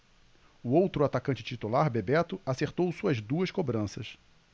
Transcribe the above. o outro atacante titular bebeto acertou suas duas cobranças